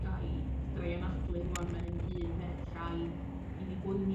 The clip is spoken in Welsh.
Ga i fedrai anadlu rŵan ma' hyn un beth llai i fi boeni...